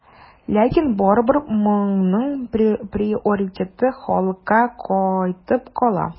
Ләкин барыбер моның приоритеты халыкка кайтып кала.